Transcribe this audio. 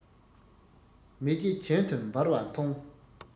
མེ ལྕེ གྱེན དུ འབར བ མཐོང